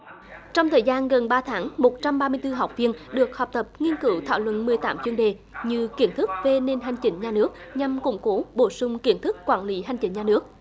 trong thời gian gần ba tháng một trăm ba mươi tư học viên được học tập nghiên cứu thảo luận mười tám chuyên đề như kiến thức về nền hành chính nhà nước nhằm củng cố bổ sung kiến thức quản lý hành chính nhà nước